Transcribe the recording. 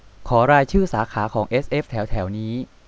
ขอรายชื่อสาขาของเอสเอฟแถวแถวนี้